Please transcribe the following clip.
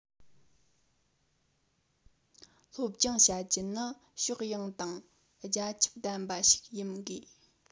སློབ སྦྱོང བྱ རྒྱུ ནི ཕྱོགས ཡོངས དང རྒྱ ཁྱབ ལྡན པ ཞིག ཡིན དགོས